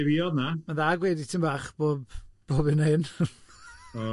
Ma'n dda gwaedu tipyn bach bob, bob hyn a hyn!